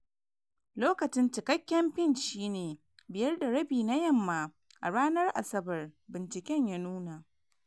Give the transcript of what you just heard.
Lokaci cikakken pint shi ne 5.30pm a ranar Asabar, binciken ya nuna